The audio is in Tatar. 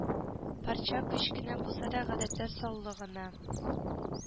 Парча кечкенә булса да гадәттә саллы гына